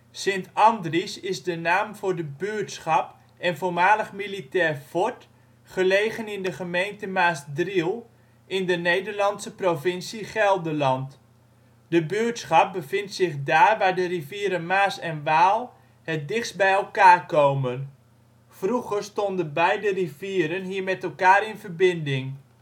Sint Andries is de naam voor de buurtschap en voormalig militair fort gelegen in de gemeente Maasdriel in de Nederlandse provincie Gelderland. De buurtschap bevindt zich daar waar de rivieren Maas en Waal het dichtst bij elkaar komen. Vroeger stonden beide rivieren hier met elkaar in verbinding